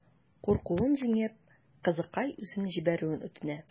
Куркуын җиңеп, кызыкай үзен җибәрүен үтенә.